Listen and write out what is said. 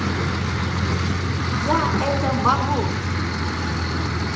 я это могу